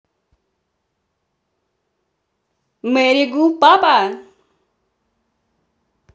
mary gu папа